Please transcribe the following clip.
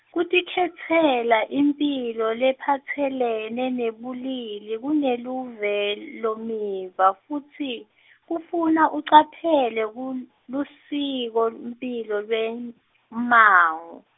Kutikhetsela imphilo lephatselene nebulili kuneluvelomiva, futsi, kufuna ucaphele kul- lusikomphilo lwemmango.